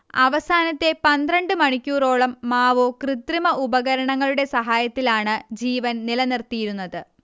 അവസാനത്തെ പന്ത്രണ്ട് മണിക്കൂറുകളോളം മാവോ കൃത്രിമ ഉപകരണങ്ങളുടെ സഹായത്താലാണ് ജീവൻ നിലനിർത്തിയിരുന്നത്